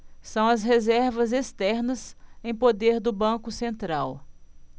são as reservas externas em poder do banco central